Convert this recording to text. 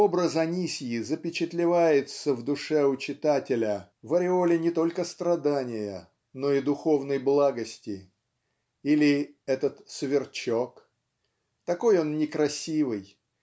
Образ Анисьи запечатлевается в душе у читателя в ореоле не только страдания но и духовной благости. Или - этот Сверчок. Такой он некрасивый